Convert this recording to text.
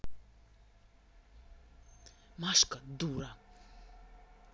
машка дура